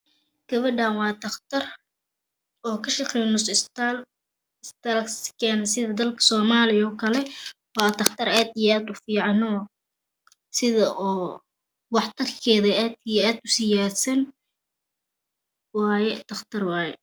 Gabadhaan waa dhaqtar oo ka shaqaynayso isbitaal sida dalkeena soomaaliyoo kale. Waa dhaqtar aad iyo aad u fiican. Si oo wax tarkeeda aad iyo aad u siyaadsan waaye dhaqtar waaye